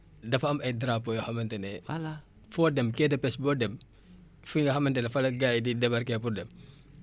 foo dem quai de pêche boo dem fi nga xamante fa la gars yi di débarquer pour dem dañuy fay afficher kii bi nii